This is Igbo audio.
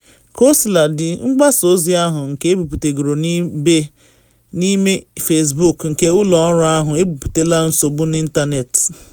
Kaosiladị, mgbasa ozi ahụ, nke ebiputegoro n’ibe Facebook nke ụlọ ọrụ ahụ, ebutela nsogbu n’ịntanetị.